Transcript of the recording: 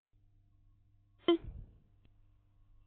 ཅི མི སྐྱོན